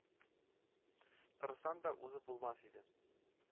Тырышсаң да узып булмас иде